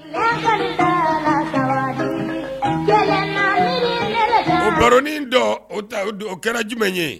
Baroin o kɛra jumɛn ye